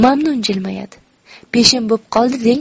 mamnun jilmayadi peshin bo'p qoldi deng